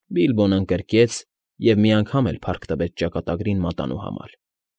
Բիլբոն ընկրկեց և մի անգամ էլ փառք տվեց ճակատագրին մատանու համար։